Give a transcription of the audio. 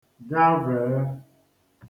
gavèe